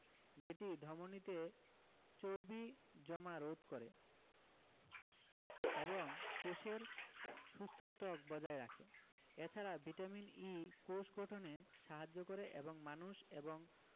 যেটি ধমনিতে চর্বি জমা রোধ করে এবং কোষের সুস্থ ত্বক বজায় রাখে এ ছাড়া ভিটামিন E কোষ গঠনে সাহায্য করে এবং মানুষ এবং